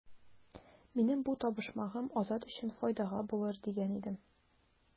Минем бу табышмагым Азат өчен файдага булыр дигән идем.